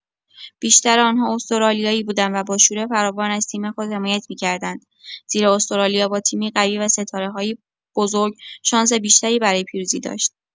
بیشتر آنها استرالیایی بودند و با شور فراوان از تیم خود حمایت می‌کردند، زیرا استرالیا با تیمی قوی و ستاره‌هایی بزرگ شانس بیشتری برای پیروزی داشت.